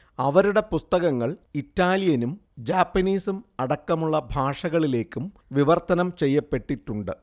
അവരുടെ പുസ്തകങ്ങൾ ഇറ്റാലിയനും ജാപ്പനീസും അടക്കമുള്ള ഭാഷകളിലേക്കും വിവർത്തനം ചെയ്യപ്പെട്ടിട്ടുണ്ട്